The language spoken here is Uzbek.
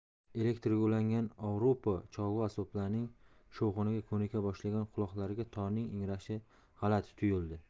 elektrga ulangan ovrupo cholg'u asboblarining shovqiniga ko'nika boshlagan quloqlarga torning ingrashi g'alati tuyuldi